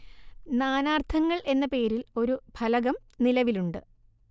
നാനാർത്ഥങ്ങൾ എന്ന പേരിൽ ഒരു ഫലകം നിലവിലുണ്ട്